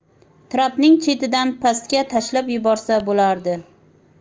trapning chetidan pastga tashlab yuborsa bo'lardi